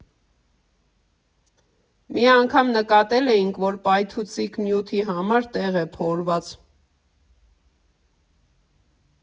Մի անգամ նկատել էինք, որ պայթուցիկ նյութի համար տեղ է փորված։